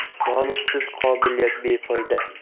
nomusiz qobiliyat befoyda